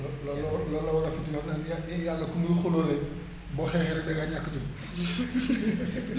loolu la wolo loolu la wolof di wax naan Yàlla ku muy xulóowee boo xeexee rekk da ngaa ñàkk jom